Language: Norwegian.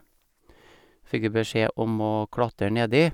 Fikk vi beskjed om å klatre nedi.